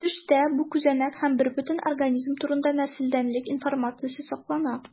Төштә бу күзәнәк һәм бербөтен организм турында нәселдәнлек информациясе саклана.